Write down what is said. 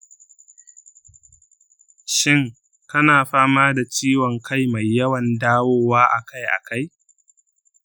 shin kana fama da ciwon kai mai yawan dawowa akai-akai?